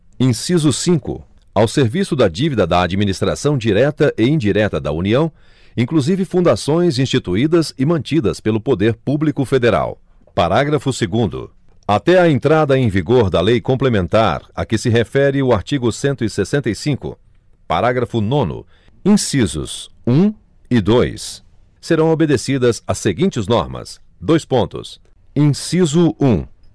inciso cinco ao serviço da dívida da administração direta e indireta da união inclusive fundações instituídas e mantidas pelo poder público federal parágrafo segundo até a entrada em vigor da lei complementar a que se refere o artigo cento e sessenta e cinco parágrafo nono incisos um e dois serão obedecidas as seguintes normas dois pontos inciso um